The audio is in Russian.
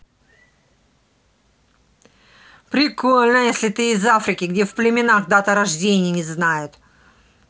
прикольно если ты из африки где в племенах дата рождения не знают